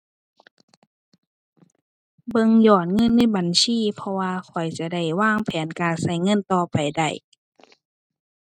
เบิ่งยอดเงินในบัญชี เพราะว่าข้อยจะได้วางแผนการใช้เงินต่อไปได้